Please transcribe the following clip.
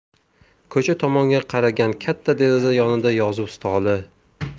ko'cha tomonga qaragan katta deraza yonida yozuv stoli